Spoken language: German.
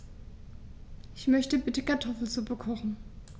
Ich möchte bitte Kartoffelsuppe kochen.